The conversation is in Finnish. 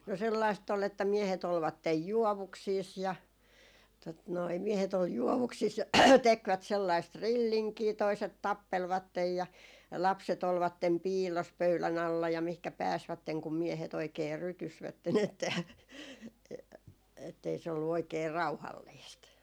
no sellaista oli että miehet olivat juovuksissa ja tuota noin miehet oli juovuksissa ja tekivät sellaista rillinkiä toiset tappelivat ja lapset olivat piilossa pöydän alla ja mihinkä pääsivät kun miehet oikein rytysivät että - että ei se ollut oikein rauhallista